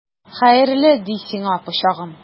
Хәерле ди сиңа, пычагым!